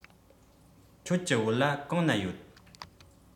ཁྱོད ཀྱི བོད ལྭ གང ན ཡོད